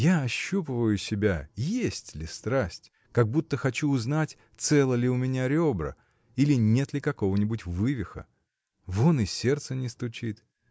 Я ощупываю себя: есть ли страсть, как будто хочу узнать, целы ли у меня ребра, или нет ли какого-нибудь вывиха? Вон и сердце не стучит!